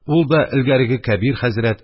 Ул да элгәреге кәбир хәзрәт,